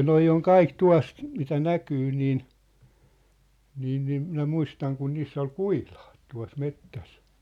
nuo on kaikki tuossa mitä näkyy niin niin niin minä muistan kun niissä oli kuhilaat tuossa metsässä